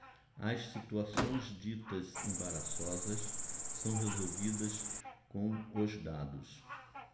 as situações ditas embaraçosas são resolvidas com os dados